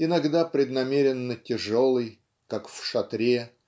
иногда преднамеренно тяжелый (как в "Шатре")